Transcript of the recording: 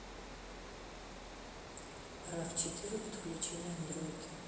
рав четыре подключение андроид